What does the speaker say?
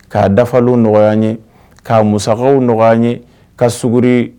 K'a dafaw nɔgɔya ye'a muw nɔgɔya ye ka suguri